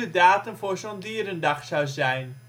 voor zo 'n dierendag zou zijn